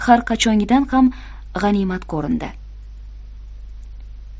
har qachongidan ham g'animat ko'rindi